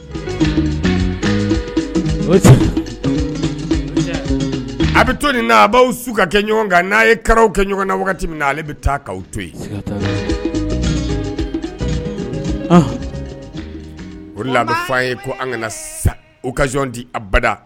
A bɛ to a b'aw su ka kɛ ɲɔgɔn kan n'a yew kɛ ɲɔgɔn na min na ale bɛ taa kaaw to yen o' an ye ko an kana sa ka di abada